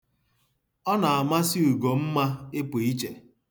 Ọ na-amasị Ugomma ịpụ iche.